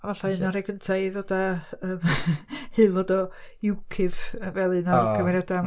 A falla un o'r rhai cynta i ddod â ymm aelod o UKIP fel un o'r cymeriadau.